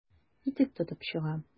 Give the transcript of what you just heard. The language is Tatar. Итек тотып чыга.